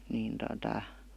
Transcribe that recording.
niin tuota